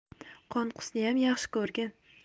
qonqusniyam yaxshi ko'rgin